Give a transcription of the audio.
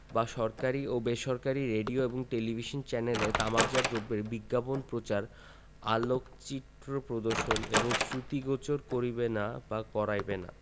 বা সরকারী ও বেসরকারী রেডিও এবং টেলিভিশন চ্যানেলে তামাকজাত দ্রব্যের বিজ্ঞাপন প্রচার আলেঅকচিত্র প্রদর্শন বা শ্রুতিগোচর করিবে না বা করাইবে না